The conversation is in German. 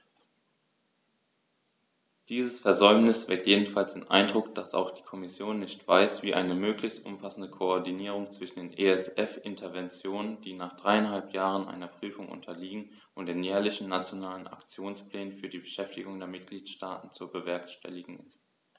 Dieses Versäumnis weckt jedenfalls den Eindruck, dass auch die Kommission nicht weiß, wie eine möglichst umfassende Koordinierung zwischen den ESF-Interventionen, die nach dreieinhalb Jahren einer Prüfung unterliegen, und den jährlichen Nationalen Aktionsplänen für die Beschäftigung der Mitgliedstaaten zu bewerkstelligen ist.